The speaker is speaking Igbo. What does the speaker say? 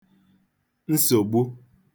nsògbu